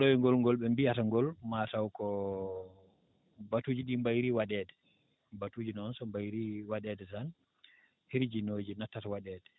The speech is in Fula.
ɗoygol ngol ɓe mbiyata ngol maataw ko batuuji ɗii mbayrii waɗeede batuuji noon so mbayrii waɗeede tan hirjinooji nattat waɗeede